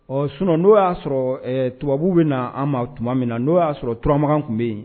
Ɔɔ! sinon n'o y'a sɔrɔ ɛɛ tubabubu bɛ na an ma tuma min na n'o y'a sɔrɔ turamakan tun bɛ yen?